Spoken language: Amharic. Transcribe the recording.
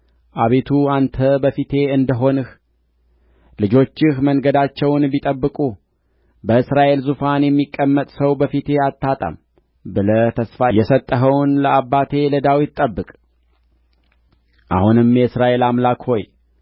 አቤቱ አንተ በፊቴ እንደ ሄድህ ልጆችህ መንገዳቸውን ቢጠብቁ በእስራኤል ዙፋን የሚቀመጥ ሰው በፊቴ አታጣም ብለህ ተስፋ የሰጠኸውን ለአባቴ ለዳዊት ጠብቅ አሁንም የእስራኤል አምላክ ሆይ